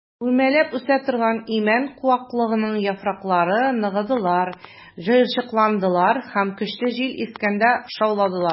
Үрмәләп үсә торган имән куаклыгының яфраклары ныгыдылар, җыерчыкландылар һәм көчле җил искәндә шауладылар.